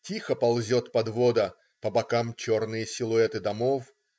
Тихо ползет подвода - по бокам черные силуэты домов.